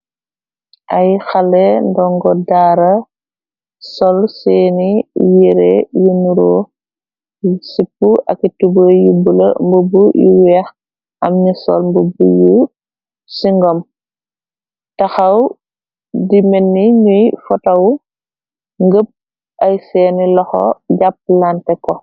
Ay xale ndongo daara sol seeni yére yu nuro sip aki tuba yibula mbubu yu weex am ni sol mbub yu cingom taxaw di menni ñuy fotaw ngëp ay seeni loxo jàpp lante ko.